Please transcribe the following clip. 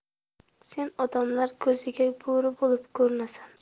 sen odamlar ko'ziga bo'ri bo'lib ko'rinasan